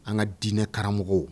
An ka diinɛ karamɔgɔw